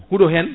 huuɗo hen